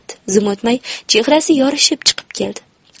zum o'tmay chehrasi yorishib chiqib keldi